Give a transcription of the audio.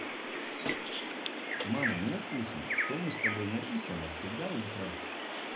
мама мне вкусно что мы с тобой написано всегда утро